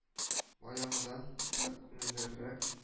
Баягыдан да күңеллерәк